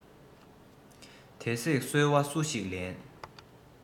དེ བསྲེགས སོལ བ སུ ཞིག ལེན